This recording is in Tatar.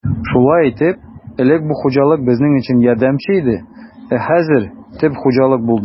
Шулай итеп, элек бу хуҗалык безнең өчен ярдәмче иде, ә хәзер төп хуҗалык булды.